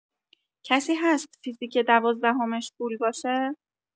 کسی هست فیزیک دوازدهمش فول باشه؟